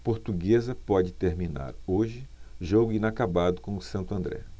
portuguesa pode terminar hoje jogo inacabado com o santo andré